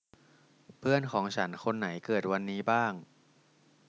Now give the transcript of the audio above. เพื่อนของฉันคนไหนเกิดวันนี้บ้าง